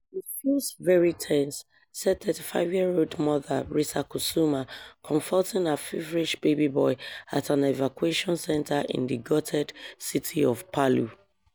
"It feels very tense," said 35-year-old mother Risa Kusuma, comforting her feverish baby boy at an evacuation center in the gutted city of Palu.